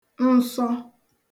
nsọ